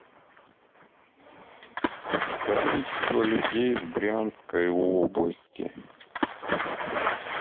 количество людей в брянской области